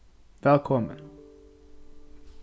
vælkomin